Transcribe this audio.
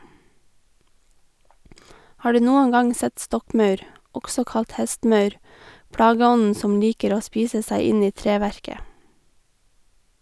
Har du noen gang sett stokkmaur, også kalt hestemaur, plageånden som liker å spise seg inn i treverket?